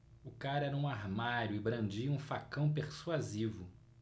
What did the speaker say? o cara era um armário e brandia um facão persuasivo